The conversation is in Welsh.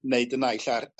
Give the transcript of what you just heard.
neud y naill a